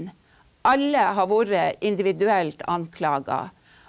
alle har vært individuelt anklaga.